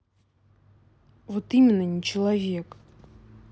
вот именно не человек